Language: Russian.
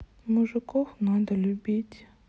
мужиков надо любить